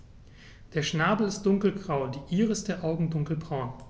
Der Schnabel ist dunkelgrau, die Iris der Augen dunkelbraun.